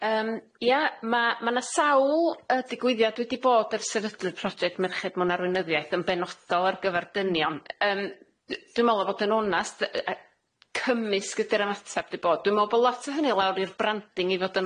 Yym ia ma' ma' na sawl yy digwyddiad wedi bod ers yr sefydlyd project merched mewn arweinyddiaeth yn benodol ar gyfar dynion yym d- dwi me'wl o fod yn onast yy yy cymysg ydi'r ymateb di bod dwi me'wl bo' lot o hynny lawr i'r branding i fod yn